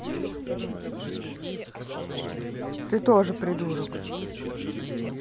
ты тоже придурок